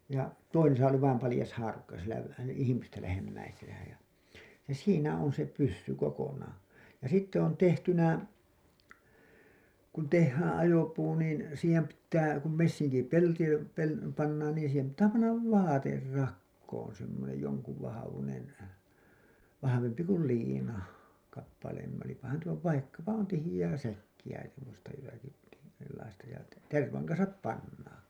ja toisessa oli vain paljas haarukka siellä - ihmistä lähemmäisenä ja ja siinä on se pyssy kokonaan ja sitten on tehtynä kun tehdään ajopuu niin siihen pitää kun messinkipelti - pannaan niin siihen pitää panna vaate rakoon semmoinen jonkun vahvuinen vahvempi kuin liina kappaleen olipahan tuo vaikkapa on tiheää säkkiä semmoista jotakin sellaista ja tervan kanssa pannaan